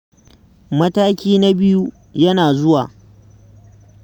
Mataki na biyu yana zuwa.